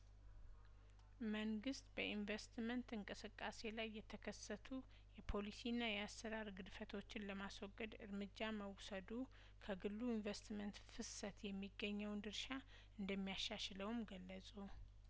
መንግስት በኢንቨስትመንት እንቅስቃሴ ላይየተከሰቱ የፖሊሲና የአሰራር ግድፈቶችን ለማስወገድ እርምጃ መውሰዱ ከግሉ ኢንቨስትመንት ፍሰት የሚገኘውን ድርሻ እንደሚያሻሽለውም ገለጹ